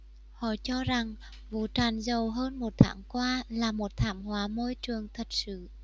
họ cho rằng vụ tràn dầu hơn một tháng qua là một thảm họa môi trường thật sự